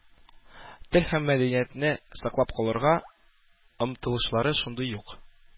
Тел һәм мәдәниятне саклап калырга омтылышлары шундый ук.